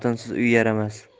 xotinsiz uy yayramas